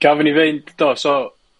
Gafon ni fynd, do, so